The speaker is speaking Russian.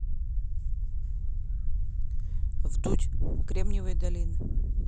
вдудь кремниевая долина